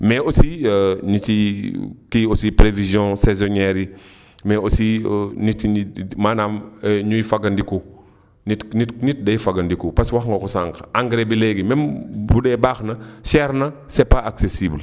mais aussi nit yi kii aussi prévisions saisonières yi mais aussi nit ñi maanaam ñuy fangadiku nit nit nit day fagandiku parce que wax nga ko sànq engrais bi léegi même bu dee baax na cher na c' est pas accessible